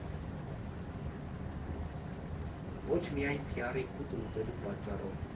Ոչ միայն փիառի կուտն ուտելու պատճառով։